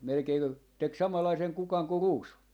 melkein - teki samanlaisen kukan kuin ruusu